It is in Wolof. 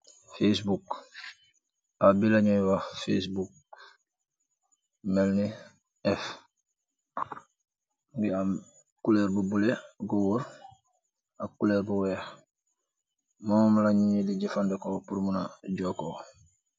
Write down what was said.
Facebook, app bi leh njoi wakh facebook, melni F bi am couleur bu bleu gorre ak couleur bu wekh, mom la nit nji di jeufandehkor pur munah jokor.